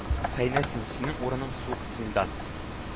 «хаинә син! синең урының — суык зиндан!»